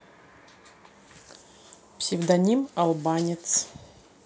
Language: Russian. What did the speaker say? псевдоним албанец